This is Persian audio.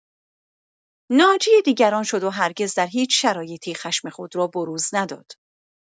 ناجی دیگران شد و هرگز در هیچ شرایطی خشم خود را بروز نداد.